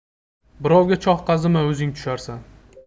birovga choh qazima o'zing tusharsan